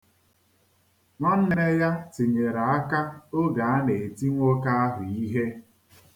Nwanne ya tinyere aka oge a na-eti nwoke ahụ ihe.